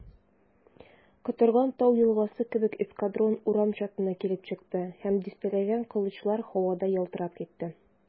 Котырган тау елгасы кебек эскадрон урам чатына килеп чыкты, һәм дистәләгән кылычлар һавада ялтырап китте.